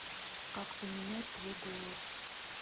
как поменять твой голос